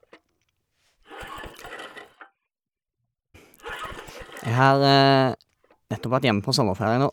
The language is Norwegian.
Jeg har nettopp vært hjemme på sommerferie nå.